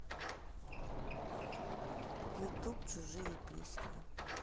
ютуб чужие письма